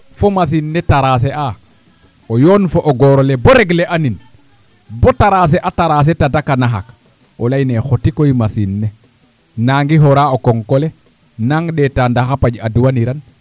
fo machine ne tarase'aa yoon fo o goor ole bo regler a nin boo tracer a tracer a tadak a naxaq o layin nee xoti koy machine ne naangi xora o koŋko le nangi ɗeeta ndax a paƴ adwanirang